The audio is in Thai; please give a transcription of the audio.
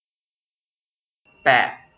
แปด